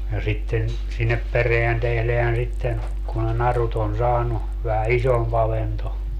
ja sitten sinne perään tehdään sitten kun ne narut on saanut vähän isompi avanto